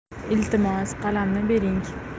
iltimos qalamni bering